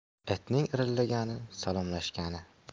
itning irrilagani salomlashgani